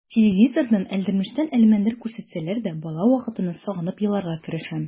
Телевизордан «Әлдермештән Әлмәндәр» күрсәтсәләр дә бала вакытымны сагынып еларга керешәм.